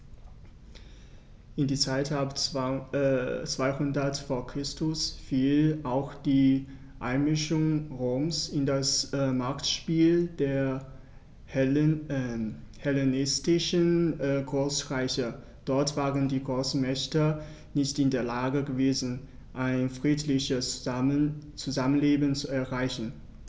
In die Zeit ab 200 v. Chr. fiel auch die Einmischung Roms in das Machtspiel der hellenistischen Großreiche: Dort waren die Großmächte nicht in der Lage gewesen, ein friedliches Zusammenleben zu erreichen.